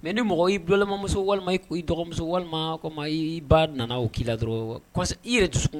Mɛ ni mɔgɔ yi bilalɔlamamuso walima i dɔgɔmuso walima ii ba nana o k'i la dɔrɔn i yɛrɛ dusu sun